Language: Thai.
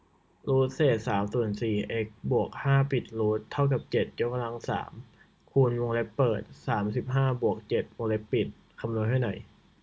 รูทเศษสามส่วนสี่เอ็กซ์บวกห้าปิดรูทเท่ากับเจ็ดยกกำลังสามคูณวงเล็บเปิดสามสิบห้าบวกเจ็ดวงเล็บปิดคำนวณให้หน่อย